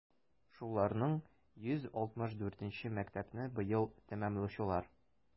Шуларның 164е - мәктәпне быел тәмамлаучылар.